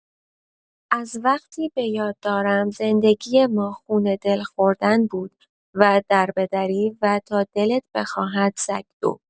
از وقتی بۀاد دارم زندگی ما خون دل خوردن بود و دربدری و تا دلت بخواهد سگ‌دو.